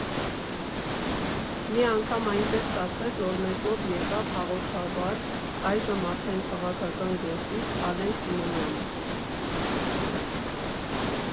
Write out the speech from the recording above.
Մի անգամ այնպես ստացվեց, որ մեզ մոտ եկավ հաղորդավար, այժմ արդեն քաղաքական գործիչ Ալեն Սիմոնյանը։